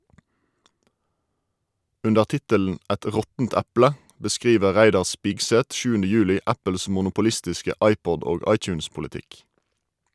Under tittelen "Et råttent eple" beskriver Reidar Spigseth 7. juli Apples monopolistiske iPod- og iTunes-politikk.